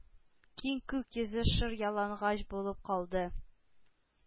Киң күк йөзе шыр-ялангач булып калды,